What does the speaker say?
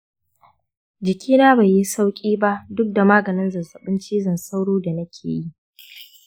jikina bai yi sauƙi ba duk da maganin zazzabin cizon sauro da nake yi.